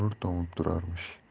nur tomib turarmish